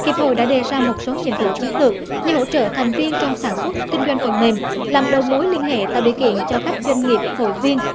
hiệp hội đã đề ra một số nhiệm vụ chiến lược như hỗ trợ thành viên trong sản xuất kinh doanh phần mềm làm đầu mối liên hệ tạo điều kiện cho các doanh nghiệp hội viên